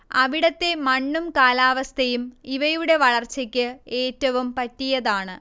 അവിടത്തെ മണ്ണും കാലാവസ്ഥയും ഇവയുടെ വളർച്ചയ്ക്ക് ഏറ്റവും പറ്റിയതാണ്